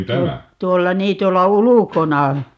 - tuolla niin tuolla ulkona